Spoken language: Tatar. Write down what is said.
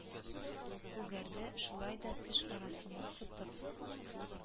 Күгәрде, шулай да теш арасыннан сытып